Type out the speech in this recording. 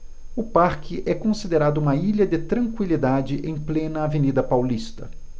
o parque é considerado uma ilha de tranquilidade em plena avenida paulista